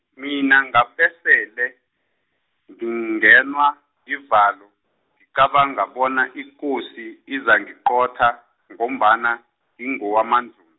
mina ngabesele, ngingenwa, livalo, ngicabanga bona ikosi izangiqotha, ngombana, ngingowamaNdzu-.